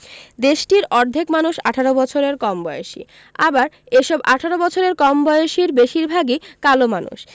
দেশটির অর্ধেক মানুষ ১৮ বছরের কম বয়সী আবার এসব ১৮ বছরের কম বয়সীর বেশির ভাগই কালো মানুষ